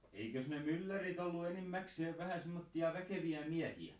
eikös ne myllärit ollut enimmäkseen vähän semmoisia väkeviä miehiä